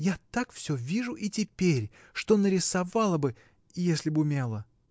Я так всё вижу и теперь, что нарисовала бы, если б умела.